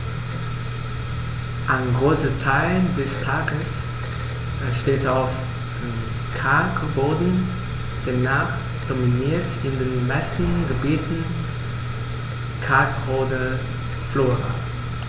Ein Großteil des Parks steht auf Kalkboden, demnach dominiert in den meisten Gebieten kalkholde Flora.